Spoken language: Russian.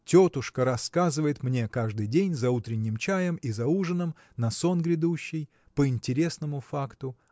тетушка рассказывает мне каждый день за утренним чаем и за ужином на сон грядущий по интересному факту